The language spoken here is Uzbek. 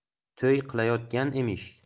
to'y qilayotgan emish